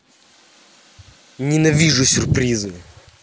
ненавижу сюрпризы